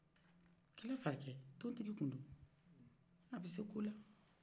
kɛlɛ fakɛ tontiki kundo a be se kola